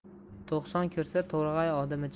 to'qson kirsa to'rg'ay